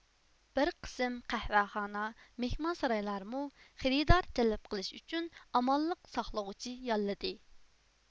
بىر قىسىم قەھۋەخانا مىھمانسارايلارمۇ خېرىدار جەلپ قىلىش ئۈچۈن ئامانلىق ساقلىغۇچى ياللىدى